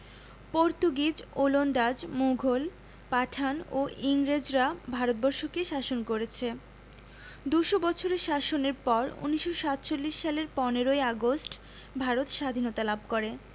Portuguese ওলন্দাজ মুঘল পাঠান ও ইংরেজরা ভারত বর্ষকে শাসন করেছে দু'শ বছরের শাসনের পর ১৯৪৭ সালের ১৫ ই আগস্ট ভারত সাধীনতা লাভ করে